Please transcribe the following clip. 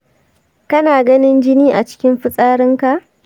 kana ganin jini a cikin fitsarinka?